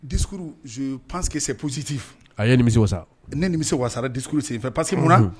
Dikuru p panssesɛ psiti a ye ninsa ne nin se wasarakkuru senfɛ fɛ pasi mun